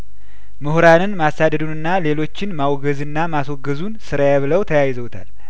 ምሁራንን ማሳደዱንና ሌሎችን ማውገዝና ማስወገዙን ስራዬ ብለው ተያይዘውታል